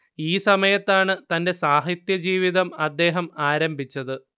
ഈ സമയത്താണ് തന്റെ സാഹിത്യ ജീവിതം അദ്ദേഹം ആരംഭിച്ചത്